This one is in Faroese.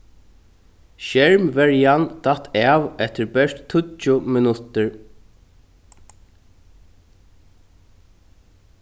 skermverjan datt av eftir bert tíggju minuttir